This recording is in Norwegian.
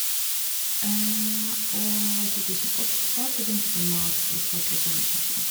Og i to tusen og åtte så begynte jeg på master i språklig kommunikasjon.